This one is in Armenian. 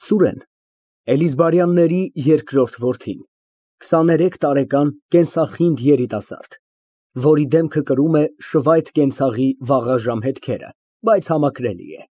ՍՈՒՐԵՆ ֊ Էլիզբարյանների երկրորդ որդին, քսաներեք տարեկան կենսախինդ երիտասարդ, որի դեմքը կրում է շվայտ կենցաղի վաղաժամ հետքերը, բայց համակրելի է։